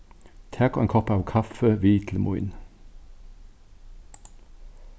tak ein kopp av kaffi við til mín